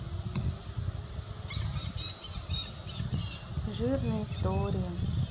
жирная история